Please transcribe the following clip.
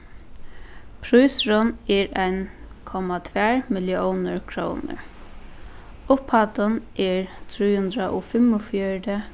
prísurin er ein komma tvær milliónir krónur upphæddin er trý hundrað og fimmogfjøruti